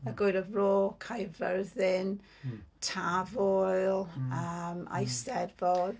Gwyl y Fro, Caerfyrddin, Tafwyl, yym Eisteddfod.